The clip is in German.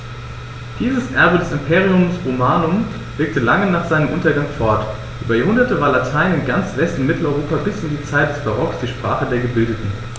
Dieses Erbe des Imperium Romanum wirkte lange nach seinem Untergang fort: Über Jahrhunderte war Latein in ganz West- und Mitteleuropa bis in die Zeit des Barock die Sprache der Gebildeten.